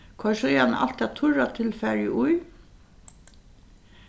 koyr síðani alt tað turra tilfarið í